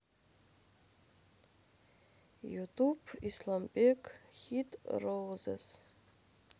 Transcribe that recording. ютуб исламбек хит роузес